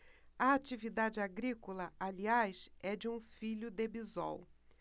a atividade agrícola aliás é de um filho de bisol